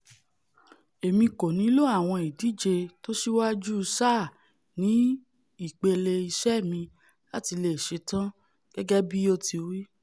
̀̀Èmi kò nílò àwọn ìdíje tósíwáju sáà ní ipele iṣẹ́ mi láti leè ṣetán,'' gẹgẹ bi otí wí.